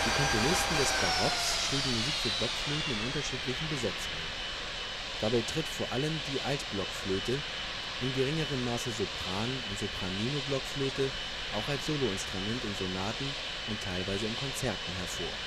Komponisten des Barocks schrieben Musik für Blockflöten in unterschiedlichen Besetzungen. Dabei tritt vor allem die Altblockflöte, in geringerem Maße Sopran - und Sopraninoblockflöte, auch als Soloinstrument in Sonaten und teilweise in Konzerten hervor